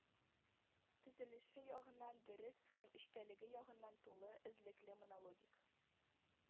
Төзелеше ягыннан дөрес һəм эчтəлеге ягыннан тулы, эзлекле монологик